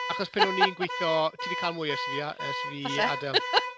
Achos pan o'n i'n gweithio... Ti 'di cael mwy ers fi a- ers i fi... falle . ...adael.